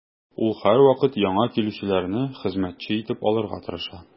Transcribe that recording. Ул һәрвакыт яңа килүчеләрне хезмәтче итеп алырга тырыша.